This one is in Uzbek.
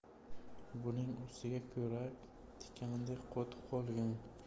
buning ustiga ko'rak tikandek qotib qolgan